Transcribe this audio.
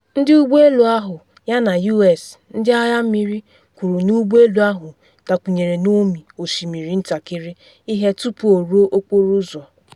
Ndị ụgbọ elu ahụ yana U.S. Ndị agha mmiri kwuru na ụgbọ elu ahụ dakpunyere n’ọmị osimiri ntakịrị ihe tupu o ruo okporo ụzọ.